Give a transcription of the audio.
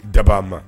Dabaa ma